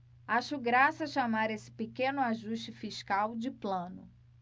acho graça chamar esse pequeno ajuste fiscal de plano